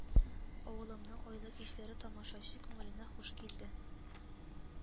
Авылымның айлы кичләре тамашачы күңеленә хуш килде